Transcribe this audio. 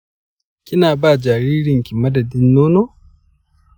kina ba jaririnki madadin nono?